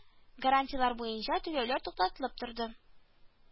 Гарантиялар буенча түләүләр туктатылып торды